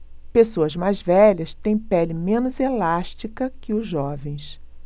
pessoas mais velhas têm pele menos elástica que os jovens